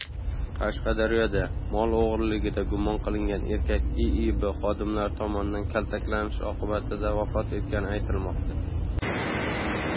qashqadaryoda mol o'g'riligida gumon qilingan erkak iib xodimlari tomonidan kaltaklanishi oqibatida vafot etgani aytilmoqda